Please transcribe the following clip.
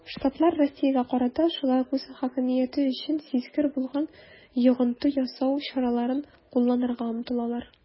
Штатлар Россиягә карата шулай ук үз хакимияте өчен сизгер булган йогынты ясау чараларын кулланырга омтылалар.